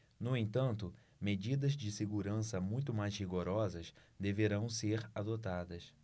no entanto medidas de segurança muito mais rigorosas deverão ser adotadas